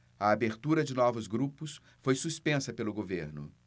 a abertura de novos grupos foi suspensa pelo governo